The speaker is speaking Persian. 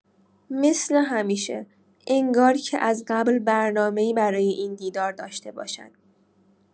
مثل همیشه، انگار که از قبل برنامه‌ای برای این دیدار داشته باشد.